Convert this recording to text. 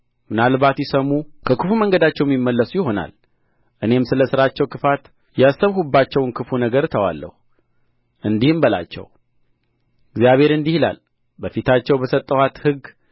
ምናልባት ይሰሙ ከክፉ መንገዳቸውም ይመለሱ ይሆናል እኔም ስለ ሥራቸው ክፋት ያሰብሁባቸውን ክፉ ነገር እተዋለሁ እንዲህም በላቸው እግዚአብሔር እንዲህ ይላል በፊታችሁ በሰጠኋት ሕጌ